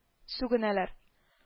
Сүгенәләр